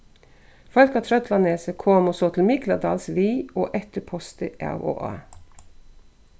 fólk á trøllanesi komu so til mikladals við og eftir posti av og á